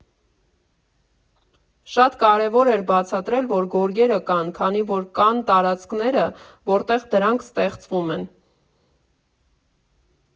Շատ կարևոր էր բացատրել, որ գորգերը կան, քանի որ կան տարածքները, որտեղ դրանք ստեղծվում են։